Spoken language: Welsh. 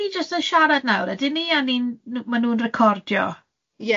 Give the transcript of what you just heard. Ydyn ni jest yn siarad nawr ydyn ni, a ni'n, ma' nhw'n recordio?